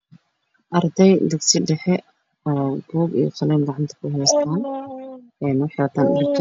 Arday dugsi dhexe buug io qalin gacanta kuhestan waxey watan dhar jale